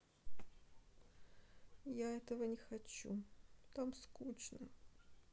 а этого не хочу там скучно